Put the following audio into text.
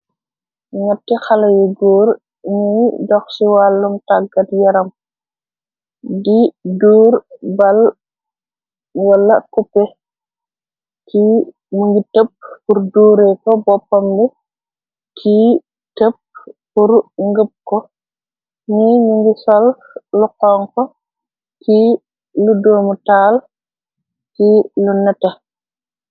Nyetti xale yu goor niy dox ci wàllum tàggat yaram di duur bal wala cupe ki mi ngi tepp bur duure ko boppambe ki tepp bur ngëp ko ni ni ngi sol lu xonko ci lu doomu taal ci lu nete.